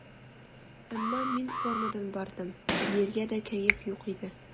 Әмма мин формадан бардым, биергә дә кәеф юк иде.